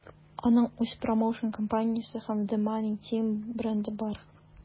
Аның үз промоушн-компаниясе һәм The Money Team бренды бар.